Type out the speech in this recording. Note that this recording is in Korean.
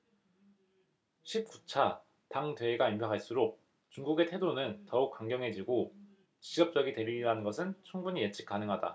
십 구 차 당 대회가 임박할수록 중국의 태도는 더욱 강경해지고 직접적이 되리리라는 것은 충분히 예측 가능하다